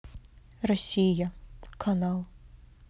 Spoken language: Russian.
россия канал